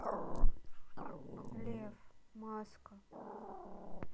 лев маска